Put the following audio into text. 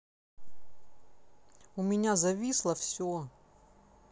у меня зависло все